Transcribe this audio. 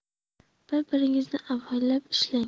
bir biringizni avaylab ishlang